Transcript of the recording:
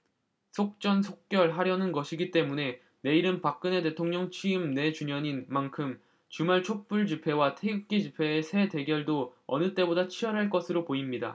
속전속결 하려는 것이기 때문에 내일은 박근혜 대통령 취임 네 주년인 만큼 주말 촛불집회와 태극기집회의 세 대결도 어느 때보다 치열할 것으로 보입니다